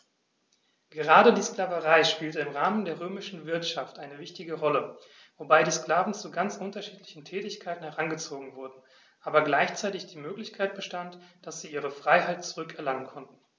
Gerade die Sklaverei spielte im Rahmen der römischen Wirtschaft eine wichtige Rolle, wobei die Sklaven zu ganz unterschiedlichen Tätigkeiten herangezogen wurden, aber gleichzeitig die Möglichkeit bestand, dass sie ihre Freiheit zurück erlangen konnten.